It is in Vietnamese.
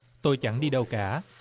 tôi chẳng đi đâu cả